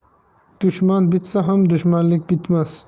dushman bitsa ham dushmanlik bitmas